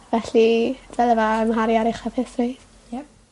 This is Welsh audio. Felly dyle fe amharu ar eich hapusrwydd. Ie.